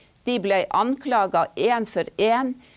de blei anklaga én for én.